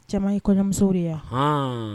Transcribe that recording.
Jama ye kɔɲɔmusow de yan hɔn